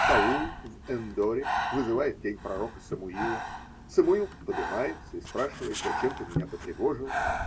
Саул в Эн-Доре вызывает тень пророка Самуила: Самуил подымается и спрашивает: зачем ты меня потревожил?